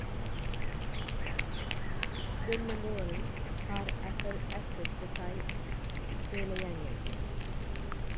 Denne våren har Apple ertet på seg hele gjengen.